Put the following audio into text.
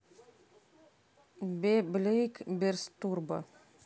бе блейк берст турбо